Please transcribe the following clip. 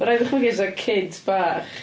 Fedra i ddychmygu fysa kids bach...